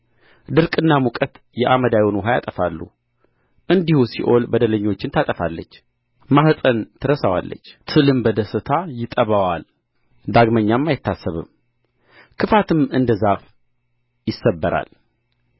ድርቅና ሙቀት የአመዳዩን ውኃ ያጠፋሉ እንዲሁ ሲኦል በደለኞችን ታጠፋለች ማኅፀን ትረሳዋለች ትልም በደስታ ይጠባዋል ዳግመኛም አይታሰብም ክፋትም እንደ ዛፍ ይሰበራል